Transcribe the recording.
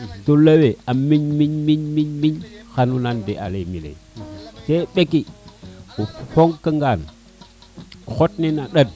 to lewe a miñ miñ miñ miñ xano nan nade a le mbele te mbeki o faka ngaan o xot nina ndat